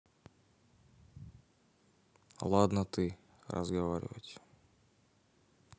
ладно ты разговаривать